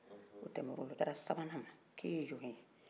a tɛmɛr'ola a sera sabanan ma a k'e fana ye jɔn ye